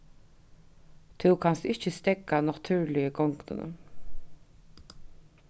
tú kanst ikki steðga natúrligu gongdini